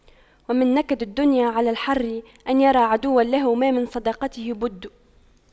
ومن نكد الدنيا على الحر أن يرى عدوا له ما من صداقته بد